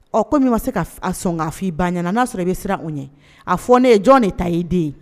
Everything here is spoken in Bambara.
Ɔ komi min ma se k' sɔn k'a f'i banna ɲɛ n'a sɔrɔ i bɛ siran u ɲɛ a fɔ ne ye jɔn de ta ye den ye